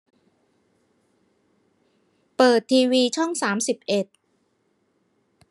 เปิดทีวีช่องสามสิบเอ็ด